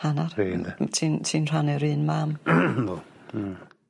Hannar... Fi ynde. ...n- ti'n ti'n rhannu'r un mam. Yndw hmm.